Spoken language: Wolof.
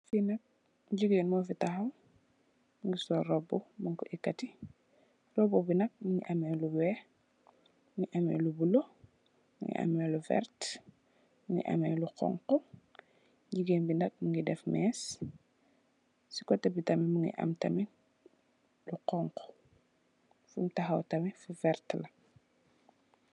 Fi nak jigéen mofi taxaw mongi sol robu mung ki eketi roba bi nak mongi ame lu weex mongi ame lu bulu mu ame lu vertax mongi ame lu xonxu jigeen bi nak mongi deff mess si kote tamit mongi tamit lu xonxu fum taxaw tamit lu vertax.